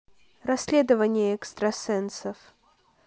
расследование эксрасенсов